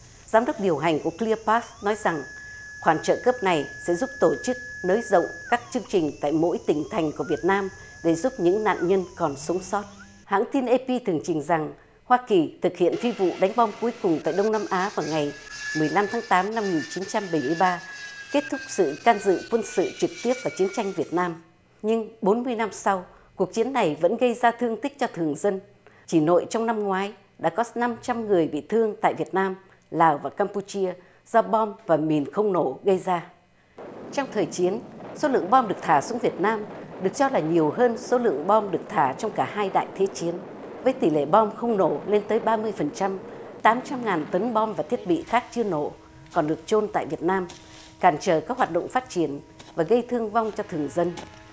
giám đốc điều hành của cờ lia bát nói rằng khoản trợ cấp này sẽ giúp tổ chức nới rộng các chương trình tại mỗi tỉnh thành của việt nam để giúp những nạn nhân còn sống sót hãng tin ây pi tường trình rằng hoa kỳ thực hiện vi vụ đánh bom cuối cùng tại đông nam á vào ngày mười lăm tháng tám năm nghìn chín trăm bảy mươi ba kết thúc sự can dự quân sự trực tiếp và chiến tranh việt nam nhưng bốn mươi năm sau cuộc chiến này vẫn gây ra thương tích cho thường dân chỉ nội trong năm ngoái đã có năm trăm người bị thương tại việt nam lào và cam pu chia do bom và mìn không nổ gây ra trong thời chiến số lượng bom được thả xuống việt nam được cho là nhiều hơn số lượng bom được thả trong cả hai đại thế chiến với tỷ lệ bom không nổ lên tới ba mươi phần trăm tám trăm ngàn tấn bom và thiết bị khác chưa nổ còn được chôn tại việt nam cản trở các hoạt động phát triển và gây thương vong cho thường dân